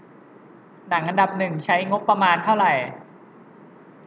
หนังอันดับหนึ่งใช้งบประมาณเท่าไหร่